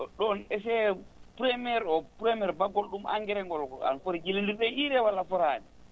ɗoon essaye premiére o premier baɗgol ɗum engrais ngol ano fori jillinndirde ɗum e UREE walla a foraani